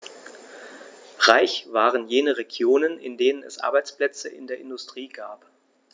Reich waren jene Regionen, in denen es Arbeitsplätze in der Industrie gab.